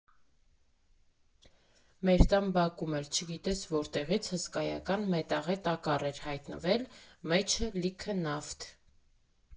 Մեր տան բակում էլ չգիտես որտեղից հսկայական մետաղե տակառ էր հայտնվել՝ մեջը լիքը նավթ։